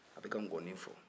a bɛ ka ngɔni fɔ